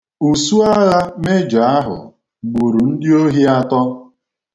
Usuagha Mejọ ahụ gburu ndị ohi atọ.